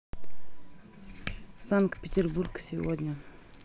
санкт петербург сегодня